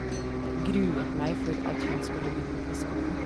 Gruet meg for at hun skulle begynne på skolen.